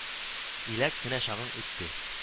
Иләк кенә чагың үтте